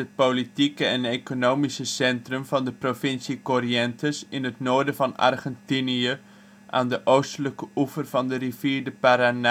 politieke en economische centrum van de provincie Corrientes in het noorden van Argentinië, aan de oostelijke oever van de rivier de Paraná